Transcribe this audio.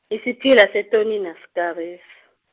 isipila setonini asikarisi.